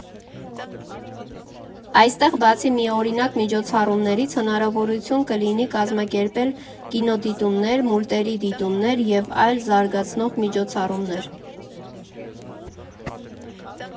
Այստեղ, բացի միօրինակ միջոցառումներից, հնարավորություն կլինի կազմակերպել կինոդիտումներ, մուլտերի դիտումներ և այլ զարգացնող միջոցառումներ։